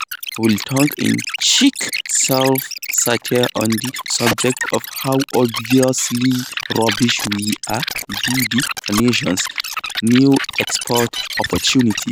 Will tongue-in-cheek self-satire on the subject of how obviously rubbish we are be the nation's new export opportunity?